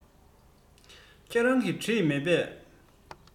ཁྱེད རང གིས བྲིས མེད པས